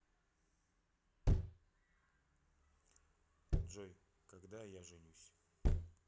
джой когда я женюсь